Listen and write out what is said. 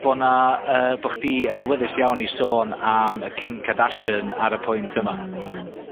Bo' 'na yy bo' chdi yn awyddus iawn i sôn am y Kim Cadashyn ar y pwynt yma. Hmm.